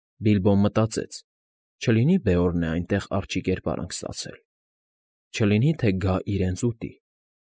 Բիլբոն մտածեց. չլինի՞ Բեորնն է այստեղ արջի կերպարանք ստացել, չլինի՞ թե գա իրենց ուտի։